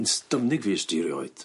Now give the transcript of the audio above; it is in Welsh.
Un styfnig fu's di rioed.